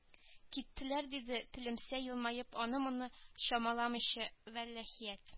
Киттеләр диде тилемсә елмаеп аны-моны чамаламыйча вәлиәхмәт